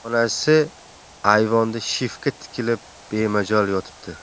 onasi ayvonda shiftga tikilib bemajol yotibdi